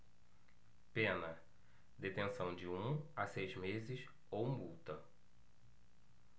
pena detenção de um a seis meses ou multa